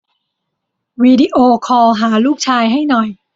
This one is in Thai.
วิดีโอคอลหาลูกชายให้หน่อย